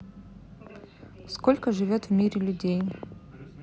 сколько живет в мире людей